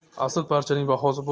asl parchaning bahosi